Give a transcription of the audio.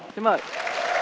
xin mời